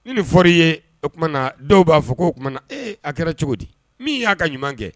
Ni nin fɔr'i ye o tumana dɔw b'a fɔ ko o tumana ee a kɛra cogo di min y'a ka ɲuman kɛ